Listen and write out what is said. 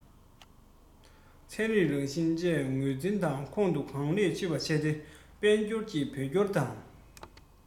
ཚན རིག རང བཞིན བཅས ངོས འཛིན དང ཁོང དུ གང ལེགས ཆུད པ བྱས ཏེ དཔལ འབྱོར གྱི བོད སྐྱོར དང